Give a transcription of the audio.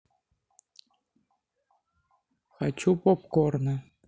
хочу попкорна